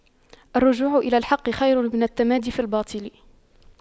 الرجوع إلى الحق خير من التمادي في الباطل